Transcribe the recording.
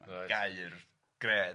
Reit. Ma' gaer .